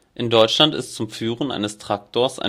In Deutschland ist zum Führen eines Traktors ein